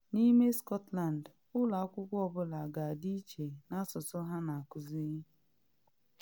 N’ime Scotland, ụlọ akwụkwọ ọ bụla ga-adị iche n’asụsụ ha na akuzi.